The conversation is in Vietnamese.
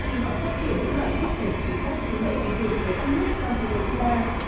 khi họ phát triển những loại thuốc để trị các chứng bệnh ảnh hưởng tới các nước trong thế giới thứ ba